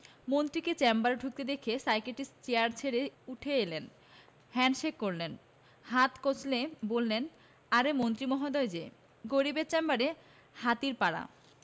চেম্বারে ঢুকতে দেখে সাইকিয়াট্রিস্ট চেয়ার ছেড়ে উঠে এলেন হ্যান্ডশেক করলেন হাত কচলে বললেন আরে মন্ত্রী মহোদয় যে গরিবের চেম্বারে হাতির পাড়া